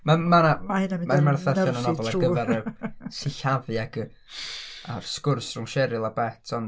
mae ma' 'na... mae'n werth darllen y nofel ar gyfer y sillafu ac y... a'r sgwrs rhwng Tjeryl a Bet ond...